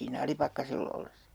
siinä Alipakkasella ollessa